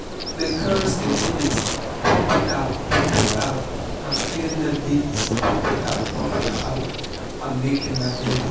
The chorus continues: "Pump it out, pump it out, I'm feeding them babies, pump it out, pump it out, I'm milking my ladies."